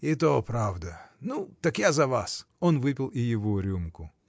— И то правда, ну так я за вас! Он выпил и его рюмку.